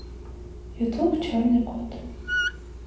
ютуб черный кот